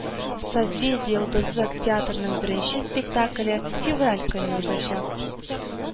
“созвездие-йолдызлык” театрының беренче спектакле февраль көнне узачак